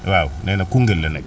waaw nee na Koungeul la nekk